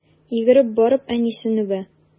Йөгереп барып әнисен үбә.